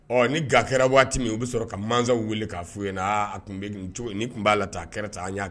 Ɔ ni ga kɛra waati min u bɛ sɔrɔ ka mansaw weele k'a f' ye n a tun bɛ cogo ni tun b'a la ta kɛra taa'a